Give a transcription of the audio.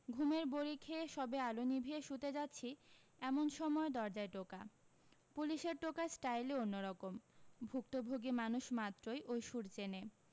ঘুমের বাড়ি খেয়ে সবে আলো নিভিয়ে শুতে যাচ্ছি এমন সময় দরজায় টোকা পুলিশের টোকার স্টাইলই অন্যরকম ভুক্তভোগী মানুষ মাত্রই ওই সুর চেনে